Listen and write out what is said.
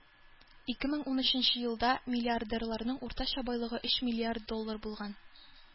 Ике мең унөченче елда миллиардерларның уртача байлыгы өч миллиард доллар булган.